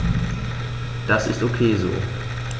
Das ist ok so.